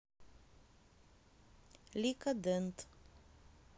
lika dent